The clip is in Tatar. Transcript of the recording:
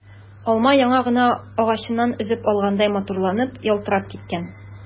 Алма яңа гына агачыннан өзеп алгандай матурланып, ялтырап киткән.